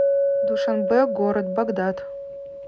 душанбе город багдад